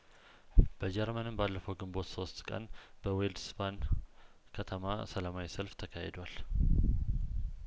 በጀርመንም ባለፈው ግንቦት ሶስት ቀን በዌልስ ባድ ከተማ ሰላማዊ ሰልፍ ተካሂዷል